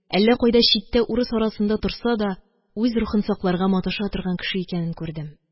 Әллә кайда читтә урыс арасында торса да, үз рухын сакларга маташа торган кеше икәнен күрдем.